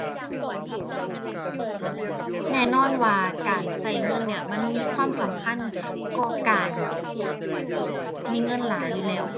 แน่นอนว่าการใช้เงินเนี่ย มันมีความสำคัญกว่าการมีเงินหลายอยู่แล้ว